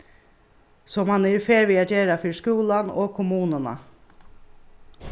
sum hann er í ferð við at gera fyri skúlan og kommununa